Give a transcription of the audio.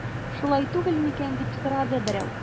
Шулай түгел микән дип сорады берәү.